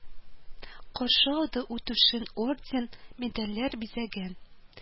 Каршы алды ул түшен орден-медальләр бизәгән